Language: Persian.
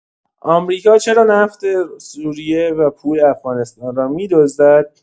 آمریکا چرا نفت سوریه و پول افغانستان را می‌دزدد؟